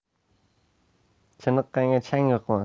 chiniqqanga chang yuqmas